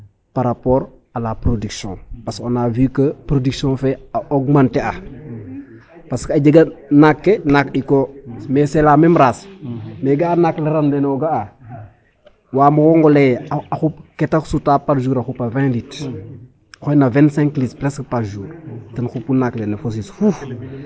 Mais c' est la meme race mais ga'a naak ran lene o ga'a wango lay ee ke ta suta par jour a xupa vingt litre oxey no vingt cinq litres presque par jour ten xupu naak lene fosiis fuuf.